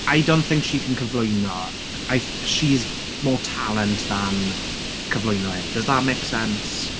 I don't think she can cyflwyno. I th- she's more talent than cyflwyno -ing. Does that make sense?